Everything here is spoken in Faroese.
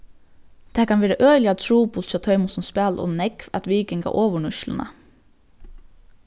tað kann vera øgiliga trupult hjá teimum sum spæla ov nógv at viðganga ovurnýtsluna